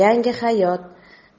yangi hayot